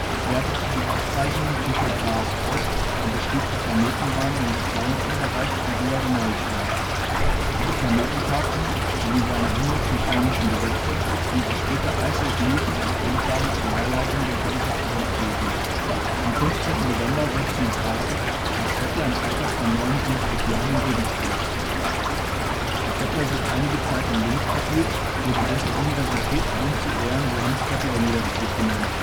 Es wertete die Aufzeichnungen Tycho Brahes aus und beschrieb die Planetenbahnen in bis dahin unerreicht hoher Genauigkeit. Diese Planetentafeln sowie seine himmelsmechanischen Gesetze dienten später Isaac Newton als Grundlage zur Herleitung der Gravitationstheorie. Am 15. November 1630 starb Kepler im Alter von 59 Jahren in Regensburg (Bild seines Wohnhauses 1626 - 1628; sein Sterbehaus ist eine viel besuchte Gedenkstätte). Da Kepler sich einige Zeit in Linz aufhielt, wurde dessen Universität ihm zu Ehren Johannes-Kepler-Universität genannt